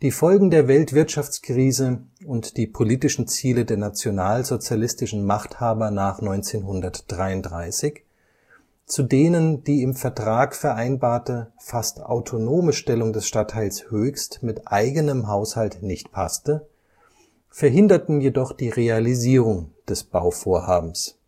Folgen der Weltwirtschaftskrise und die politischen Ziele der nationalsozialistischen Machthaber nach 1933, zu denen die im Vertrag vereinbarte fast autonome Stellung des Stadtteils Höchst mit eigenem Haushalt nicht passte, verhinderten jedoch die Realisierung des Bauvorhabens